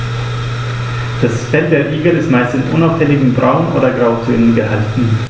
Das Fell der Igel ist meist in unauffälligen Braun- oder Grautönen gehalten.